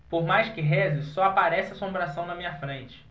por mais que reze só aparece assombração na minha frente